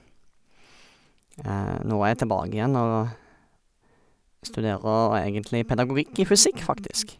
Nå er jeg tilbake igjen, og jeg studerer egentlig pedagogikk i fysikk, faktisk.